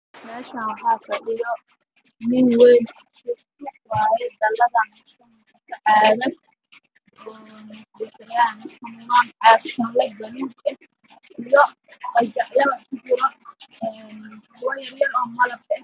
Meeshan waxaa fadhiya nin weyn waxaa la horyaalay miis ay saaran yihiin caadado iyo shanlorkiisu yahay na waa aabado ah